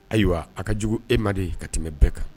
Ayiwa a ka jugu e ma de ka tɛmɛ bɛɛ kan